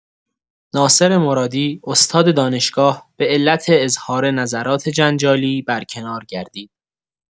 ناصر مرادی، استاد دانشگاه، به‌علت اظهار نظرات جنجالی برکنار گردید.